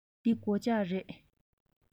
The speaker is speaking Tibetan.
འདི སྒོ ལྕགས རེད